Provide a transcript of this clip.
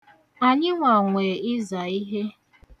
Anyịnwa nwe ịza ihe.